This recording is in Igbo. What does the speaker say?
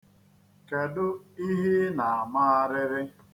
Kedụ ihe ị na-amagharịrị?